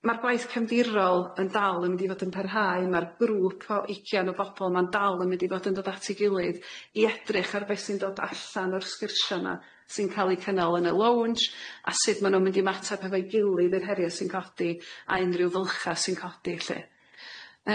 Ma'r gwaith cefndirol yn dal yn mynd i fod yn parhau, ma'r grŵp o ugian o bobol ma'n dal yn mynd i fod yn dod at ei gilydd i edrych ar be sy'n dod allan o'r sgyrsia' yna sy'n ca'l eu cynnal yn y lownj a sut ma' nhw'n mynd i ymateb hefo'i gilydd i'r heriau sy'n codi a unrhyw fylcha sy'n codi 'elly.